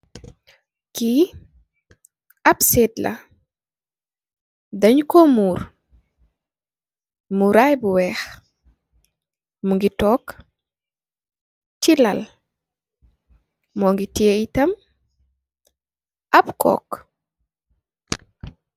Ki ap séét la dañ ko muur , muray bu wèèx , mugeh tóóg ci lan, mugeh teyeh yitam ap kok.